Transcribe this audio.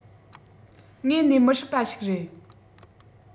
དངོས ནས མི སྲིད པ ཞིག རེད